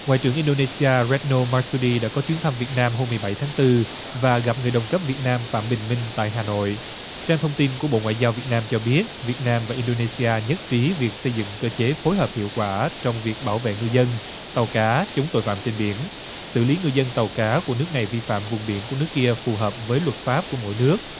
ngoại trưởng in đô nê si a rét nô ma su đi đã có chuyến thăm việt nam hôm mười bảy tháng tư và gặp người đồng cấp việt nam phạm bình minh tại hà nội trang thông tin của bộ ngoại giao việt nam cho biết việt nam và in đô nê si a nhất trí việc xây dựng cơ chế phối hợp hiệu quả trong việc bảo vệ ngư dân tàu cá chúng tội phạm trên biển xử lý ngư dân tàu cá của nước này vi phạm vùng biển của nước kia phù hợp với luật pháp của mỗi nước